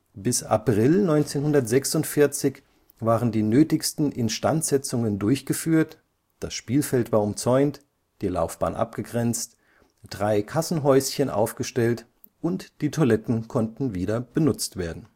Bis April 1946 waren die nötigsten Instandsetzungen durchgeführt, das Spielfeld war umzäunt, die Laufbahn abgegrenzt, drei Kassenhäuschen aufgestellt und die Toiletten konnten wieder benutzt werden